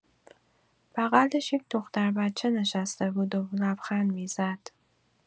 بغلش یه دختر بچه نشسته بود و لبخند می‌زد.